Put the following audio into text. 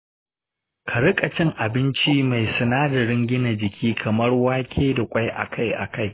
ka rika cin abinci mai sinadarin gina jiki kamar wake da kwai a kai a kai.